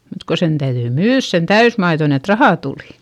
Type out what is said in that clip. mutta kun sen täytyi myydä sen täysmaidon että rahaa tuli